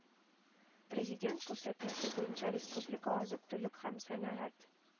Президент күрсәтмәсе буенча республика азык-төлек һәм сәнәгать